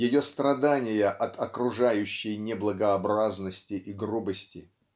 ее страдания от окружающей неблагообразности и грубости?